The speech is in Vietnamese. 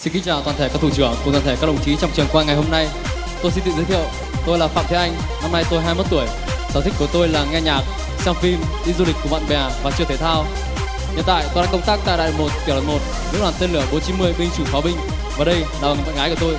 xin kính chào toàn thể các thủ trưởng cùng toàn thể các đồng chí trong trường quay ngày hôm nay tôi xin tự giới thiệu tôi là phạm thế anh năm nay tôi hai mốt tuổi sở thích của tôi là nghe nhạc xem phim đi du lịch cùng bạn bè và chơi thể thao hiện tại tôi đang công tác tại đại đội tiểu đội một lữ đoàn tên lửa bốn chín mươi binh chủng pháo binh và đây là bạn gái của tôi